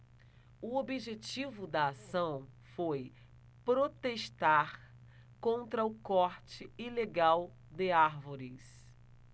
o objetivo da ação foi protestar contra o corte ilegal de árvores